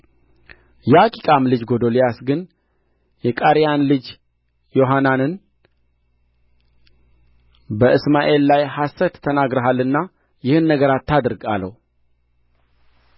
የአኪቃም ልጅ ጎዶልያስ ግን የቃሬያን ልጅ ዮሐናንን በእስማኤል ላይ ሐሰት ተናግረሃልና ይህን ነገር አታድርግ አለው